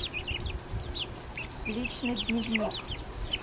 личный дневник